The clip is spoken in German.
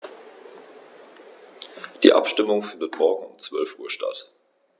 Die Abstimmung findet morgen um 12.00 Uhr statt.